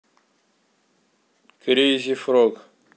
крейзи фрог